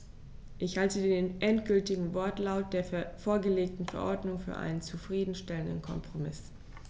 Ich halte den endgültigen Wortlaut der vorgelegten Verordnung für einen zufrieden stellenden Kompromiss.